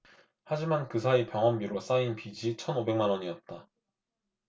하지만 그 사이 병원비로 쌓인 빚이 천 오백 만원이었다